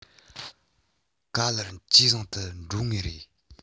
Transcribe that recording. ག ལེར ཇེ བཟང དུ འགྲོ ངེས རེད